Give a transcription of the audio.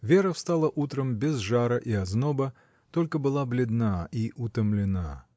Вера встала утром без жара и озноба, только была бледна и утомлена.